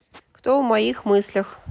кто в моих мыслях